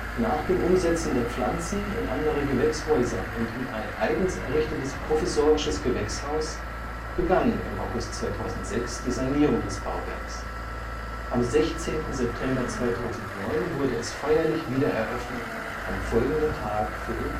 Nach dem Umsetzen der Pflanzen in andere Gewächshäuser und in ein eigens errichtetes provisorisches Gewächshaus, begann im August 2006 die Sanierung des Bauwerks. Am 16. September 2009 wurde es feierlich wiedereröffnet, am folgenden Tag für